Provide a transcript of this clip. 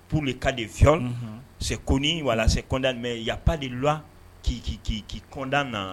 Pu ka fi se ko walasa kɔntan mɛn yali lu k k k kɔnd na